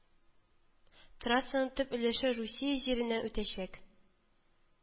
Трассаның төп өлеше Русия җиреннән үтәчәк